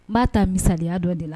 N b'a ta misaliya dɔ de la.